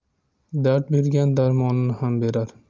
dard bergan darmonini ham berar